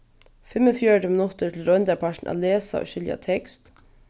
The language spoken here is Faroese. fimmogfjøruti minuttir til royndarpartin at lesa og skilja tekst